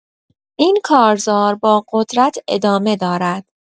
این کارزار با قدرت ادامه دارد.